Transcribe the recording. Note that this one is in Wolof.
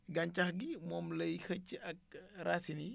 gàncax gi moom lay xëcc ak racines yi